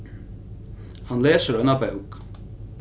hann lesur eina bók